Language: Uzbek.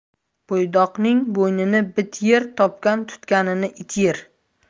bo'ydoqning bo'ynini bit yer topgan tutganini it yer